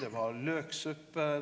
det var løksuppe.